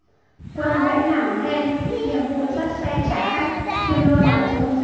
quân vẫy làm thêm nhiệm vụ dắt xe trả khách kiêm luôn cả trông xe